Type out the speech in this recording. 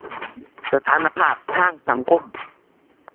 สถานภาพทางสังคม